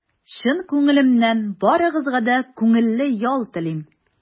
Чын күңелемнән барыгызга да күңелле ял телим!